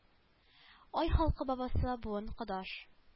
Ай халкы бабасы буын кодаш